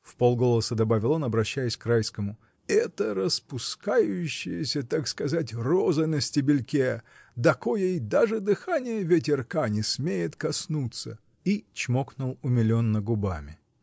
— вполголоса добавил он, обращаясь к Райскому, — это распускающаяся, так сказать, роза на стебельке, до коей даже дыхание ветерка не смеет коснуться! И чмокнул умиленно губами.